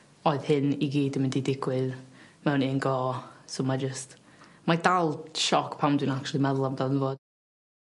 oedd hyn i gyd yn mynd i digwydd mewn un go so mae jyst mae dal sioc pan dwi'n actually meddwl amdano fo.